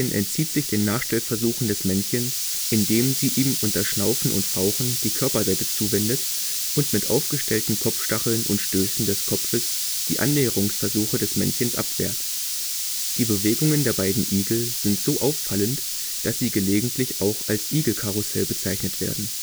entzieht sich den Nachstellversuchen des Männchens, indem sie ihm unter Schnaufen und Fauchen die Körperseite zuwendet und mit aufgestellten Kopfstacheln und Stößen des Kopfes die Annäherungsversuche des Männchens abwehrt. Die Bewegungen der beiden Igel sind so auffallend, dass sie gelegentlich auch als „ Igelkarussell “bezeichnet werden